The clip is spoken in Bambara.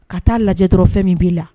Ka taa lajɛ dɔrɔn fɛn min b' la